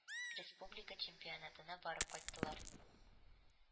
Республика чемпионатына барып кайттылар.